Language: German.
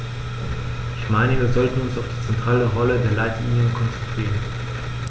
Ich meine, wir sollten uns auf die zentrale Rolle der Leitlinien konzentrieren.